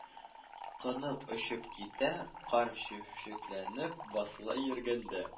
Кынып очып китә, кар җепшекләнеп басыла, йөргәндә